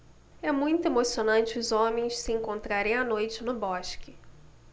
é muito emocionante os homens se encontrarem à noite no bosque